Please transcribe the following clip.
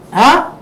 Aa